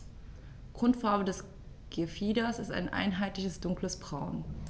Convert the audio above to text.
Grundfarbe des Gefieders ist ein einheitliches dunkles Braun.